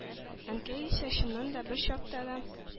Әнкәй исә, чыннан да, берчакта да